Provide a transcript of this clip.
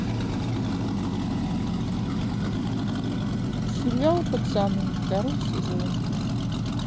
сериал пацаны второй сезон